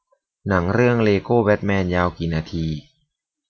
หนังเรื่องเลโกแบ็ทแมนยาวกี่นาที